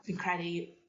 fi'n credu